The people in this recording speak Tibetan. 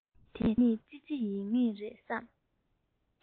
ངས དེ གཉིས ཙི ཙི ཡིན ངེས རེད བསམ